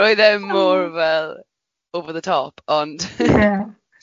Roedd e mor fel over the top, ond... Ie.